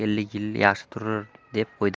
ellik yil yaxshi turur deb qo'ydi